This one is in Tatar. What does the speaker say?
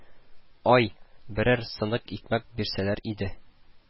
Ай, берәр сынык икмәк бирсәләр иде